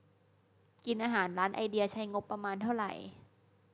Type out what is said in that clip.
กินอาหารร้านไอเดียใช้งบประมาณเท่าไหร่